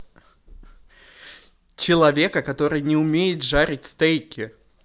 человека который не умеет жарить стейки